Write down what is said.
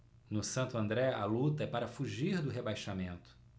no santo andré a luta é para fugir do rebaixamento